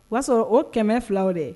O y'a sɔrɔ o kɛmɛ filaw de